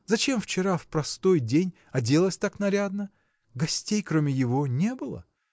зачем вчера, в простой день, оделась так нарядно? гостей, кроме его, не было.